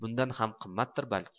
bundan ham qimmatdir balki